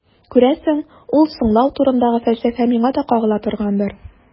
Күрәсең, ул «соңлау» турындагы фәлсәфә миңа да кагыла торгандыр.